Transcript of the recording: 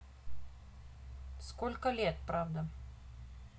сколько лет правда